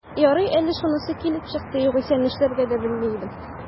Ярый әле шунысы килеп чыкты, югыйсә, нишләргә дә белми идем...